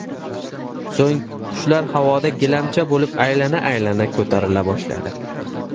so'ng qushlar havoda gilamcha bo'lib aylana aylana ko'tarila bosh ladi